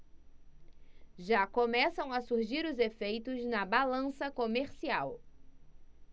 já começam a surgir os efeitos na balança comercial